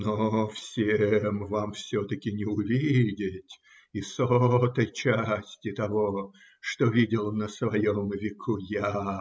– Но всем вам все-таки не увидеть и сотой части того, что видел на своем веку я.